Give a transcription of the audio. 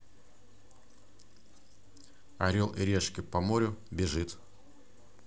орел и решка по морям